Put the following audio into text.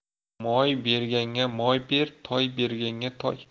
moy berganga moy ber toy berganga toy